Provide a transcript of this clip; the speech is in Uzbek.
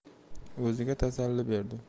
o'ziga tasalli berdi